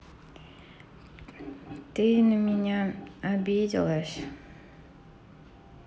ты на меня обиделась